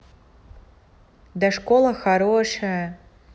да школа хорошая